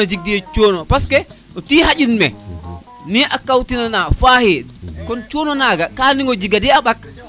xana jeg te cono parce que te xaƴi me ne kaw tina na faaxe kon cona naga ka nan jiga di a ɓak